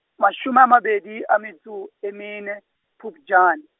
mashome a mabedi a metso e mene, Phupjane.